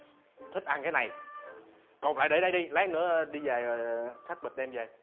thích ăn cái này cột lại để đây đi lát nữa đi về rồi xách bịch đem về